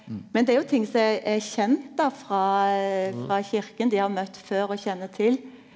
men det er jo ting som er er kjent då frå frå kyrkja dei har møtt før og kjenner til.